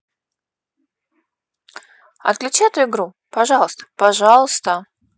отключи эту игру пожалуйста пожалуйста